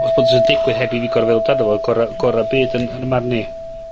..os bod js yn digwydd heb i fi gor'o' feddwl amdano fo, gora', gora'r byd yn yn 'ym marn i.